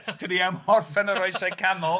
Dan ni am orffen yr oesau canol.